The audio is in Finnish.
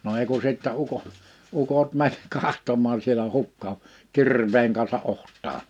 no ei kun sitten - ukot meni katsomaan siellä hukka on kirveen kanssa otsaan